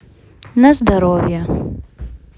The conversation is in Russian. на здоровье